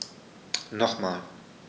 Nochmal.